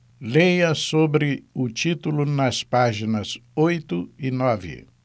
leia sobre o título nas páginas oito e nove